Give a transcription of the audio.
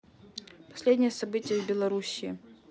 последние события в белоруссии